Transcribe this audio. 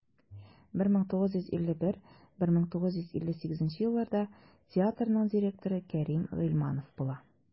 1951-1958 елларда театрның директоры кәрим гыйльманов була.